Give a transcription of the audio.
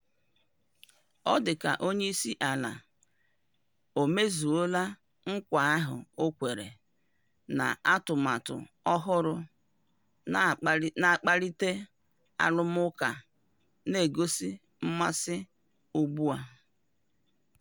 Ọ dị ka onyeisiala o mezuola nkwa ahụ o kwere, na atụmatụ ọhụrụ na-akpalite arụmụka na-egosi mmasị ugbu a.